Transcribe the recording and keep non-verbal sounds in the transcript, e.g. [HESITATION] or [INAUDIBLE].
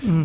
[HESITATION] [HESITATION]